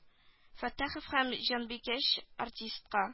Фәттахов һәм җанбикәч артистка